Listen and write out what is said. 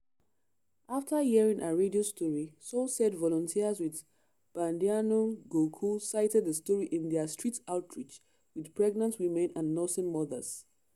After hearing her radio story, Sow said volunteers with Badianou Guokh cited the story in their street outreach with pregnant women and nursing mothers.